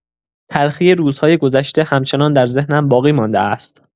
تلخی روزهای گذشته همچنان در ذهنم باقی‌مانده است.